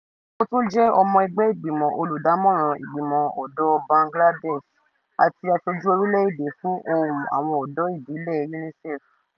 Mo tún jẹ́ ọmọ ẹgbẹ́ ìgbìmọ̀ olùdámọ̀ràn Ìgbìmọ̀ Ọ̀dọ́ Bangladesh, àti Aṣojú Orílẹ̀-èdè fún Ohùn àwọn Ọ̀dọ́ Ìbílẹ̀ UNICEF.